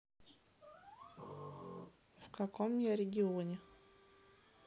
в каком я регионе